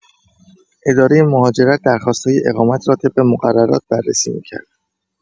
اداره مهاجرت درخواست‌های اقامت را طبق مقررات بررسی می‌کرد.